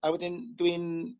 a wedyn dwi'n